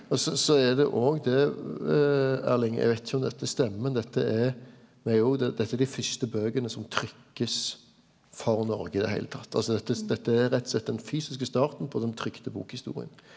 og så så er det òg det Erling eg veit ikkje om dette stemmer men dette er det er jo det dette er dei fyrste bøkene som trykkast for Noreg i det heile tatt altså dette dette er rett og slett den fysiske starten på den trykte bokhistoria.